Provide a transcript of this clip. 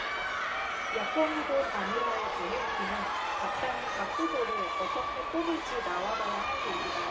야권후보 단일화에 대해 그는 각당의 각 후보를 어떻게 뽑을지 나와봐야 할 얘기다